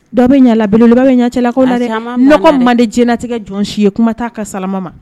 Dɔ bɛ ɲa dɔ bɛ ɲɛcɛla ko ne ko ma di jinatigɛ jɔn si ye kuma taa ka salama ma